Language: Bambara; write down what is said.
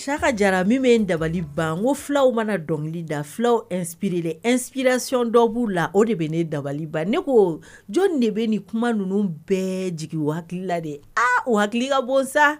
Sika jara min bɛ ye dabali ban ko filaw mana dɔnkili da filaw epla npracyon dɔw b'u la o de bɛ ne dabali ban ne ko jɔn de bɛ nin kuma ninnu bɛɛ jigin wala de a wa hakili ka bon sa